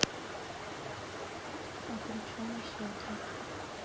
а при чем осетров